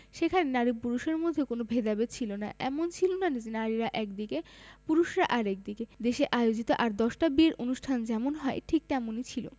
সেখানে নারী পুরুষের মধ্যে কোনো ভেদাভেদ ছিল না এমন ছিল না যে নারীরা একদিকে পুরুষেরা আরেক দিকে দেশে আয়োজিত আর দশটা বিয়ের অনুষ্ঠান যেমন হয় ঠিক তেমনি ছিল